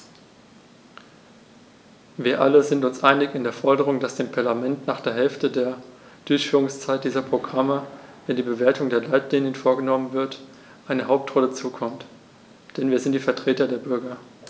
Wir alle sind uns einig in der Forderung, dass dem Parlament nach der Hälfte der Durchführungszeit dieser Programme, wenn die Bewertung der Leitlinien vorgenommen wird, eine Hauptrolle zukommt, denn wir sind die Vertreter der Bürger.